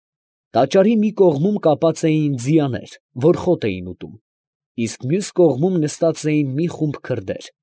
Տաճարի մի կողմում կապած էին ձիաներ, որ խոտ էին ուտում. իսկ մյուս կողմում նստած էին մի խումբ քրդեր։